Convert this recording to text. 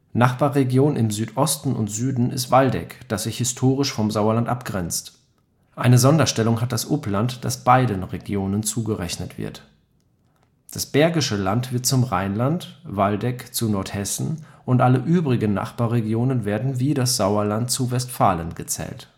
Nachbarregion im Südosten und Süden ist Waldeck, das sich historisch vom Sauerland abgrenzt. Eine Sonderstellung hat das Upland, das beiden Regionen zugerechnet wird. Das Bergische Land wird zum Rheinland, Waldeck zu Nordhessen und alle übrigen Nachbarregionen werden wie das Sauerland zu Westfalen gezählt